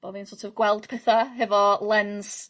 bo' fi'n so't of gweld petha hefo lens...